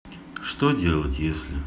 что делать если